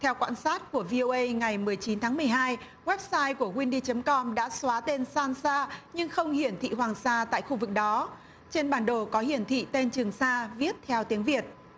theo quan sát của vi âu ây ngày mười chín tháng mười hai goép sai của guyn đi chấm com đã xóa tên san sa nhưng không hiển thị hoàng sa tại khu vực đó trên bản đồ có hiển thị tên trường sa viết theo tiếng việt